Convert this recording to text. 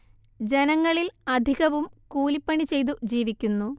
ജനങ്ങളിൽ അധികവും കൂലി പണി ചെയ്തു ജീവിക്കുന്നു